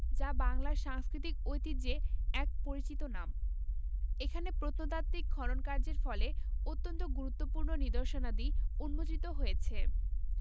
যা বাংলার সাংস্কৃতিক ঐতিহ্যে এক পরিচিত নাম এখানে প্রত্নতাত্ত্বিক খননকার্যের ফলে অত্যন্ত গুরত্বপূর্ণ নিদর্শনাদি উন্মোচিত হয়েছে